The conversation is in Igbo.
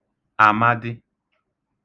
àmadị